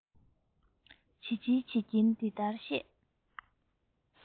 བྱིལ བྱིལ བྱེད ཀྱིན འདི ལྟར བཤད